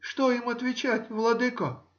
что им отвечать, владыко?